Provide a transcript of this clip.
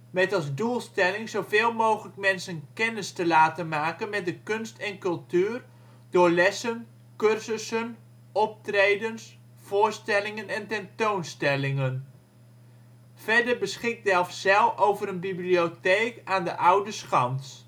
met als doelstelling zoveel mogelijk mensen kennis te laten maken met kunst en cultuur, door lessen, cursussen, optredens, voorstellingen en tentoonstellingen. Verder beschikt Delfzijl over een bibliotheek aan de Oude Schans